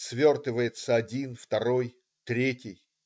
Свертывается один, второй, третий.